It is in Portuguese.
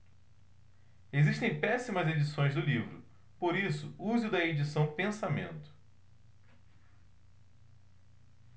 existem péssimas edições do livro por isso use o da edição pensamento